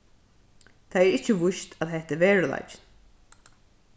tað er ikki víst at hetta er veruleikin